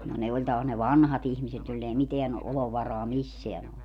no ne oli taas ne vanhat ihmiset joilla ei mitään olovaraa missään ole